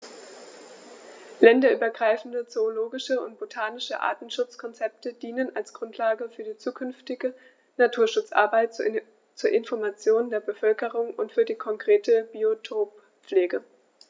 Länderübergreifende zoologische und botanische Artenschutzkonzepte dienen als Grundlage für die zukünftige Naturschutzarbeit, zur Information der Bevölkerung und für die konkrete Biotoppflege.